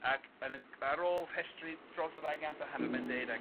Ac yn yn ar ôl rhestru dros y ddau gant a hanner mae'n deud ac